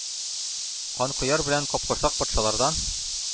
Канкояр белән Капкорсак патшалардан